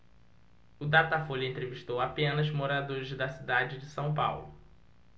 o datafolha entrevistou apenas moradores da cidade de são paulo